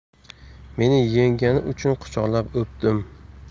meni yenggani uchun quchoqlab o'pdim